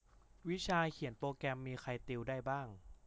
วิชาเขียนโปรแกรมมีใครติวได้บ้าง